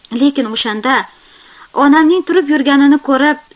lekin o'shanda onamning turib yurganini ko'rib